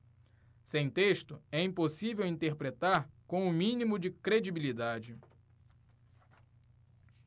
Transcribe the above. sem texto é impossível interpretar com o mínimo de credibilidade